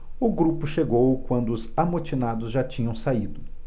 o grupo chegou quando os amotinados já tinham saído